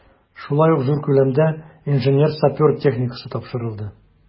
Шулай ук зур күләмдә инженер-сапер техникасы тапшырылды.